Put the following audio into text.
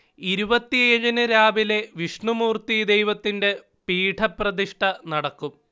ഇരുപത്തിഏഴിന് രാവിലെ വിഷ്ണുമൂർത്തി ദൈവത്തിന്റെ പീഠപ്രതിഷ്ഠ നടക്കും